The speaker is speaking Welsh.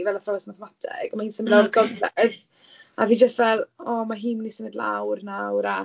Fel athrawes mathemateg a mae hi'n symud lawr o gogledd. A fi jyst fel, "o ma' hi'n mynd i symud lawr nawr", a...